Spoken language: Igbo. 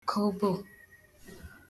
kobō